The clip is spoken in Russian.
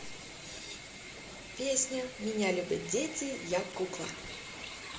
песня меня любят дети я кукла